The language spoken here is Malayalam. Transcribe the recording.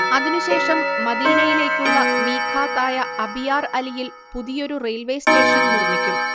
അതിനു ശേഷം മദീനയിലേക്കുള്ള മീഖാത്ത് ആയ അബിയാർ അലിയിൽ പുതിയൊരു റെയിൽവേ സ്റ്റേഷൻ നിർമ്മിക്കും